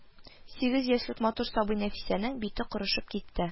Сигез яшьлек матур сабый Нәфисәнең бите корышып кипте